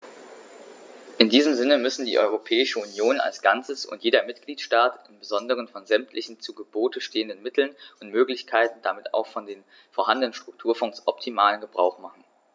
In diesem Sinne müssen die Europäische Union als Ganzes und jeder Mitgliedstaat im Besonderen von sämtlichen zu Gebote stehenden Mitteln und Möglichkeiten und damit auch von den vorhandenen Strukturfonds optimalen Gebrauch machen.